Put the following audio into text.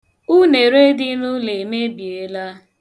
Unere dị n' ụlọ emebiela.